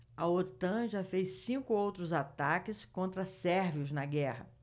a otan já fez cinco outros ataques contra sérvios na guerra